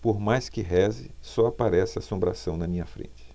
por mais que reze só aparece assombração na minha frente